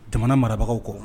Jamana marabagaw kɔ